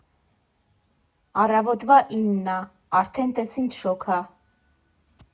Առավոտվա ինն ա, արդեն տես ինչ շոգ ա։